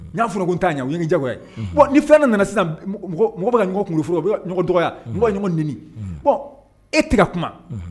Ɲa f'u ɲɛna n ko n t'a ɲɛ u ye n kɛ jago ye unhun bon ni fɛn dɔ nana sisan b mɔgɔw mɔgɔw bɛ ka ɲɔgɔn kungolo fo u bɛ ka ɲɔgɔn dɔgɔya unhun u bɛ ka ɲɔgɔn nenin unhun bon e te ka kuma unhun